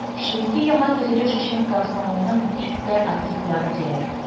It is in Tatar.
Чөнки яңа төзелеш өчен комсомолның бик тә активлары кирәк